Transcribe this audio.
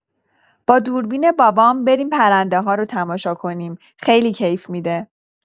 با دوربین بابام بریم پرنده‌ها رو تماشا کنیم، خیلی کیف می‌ده.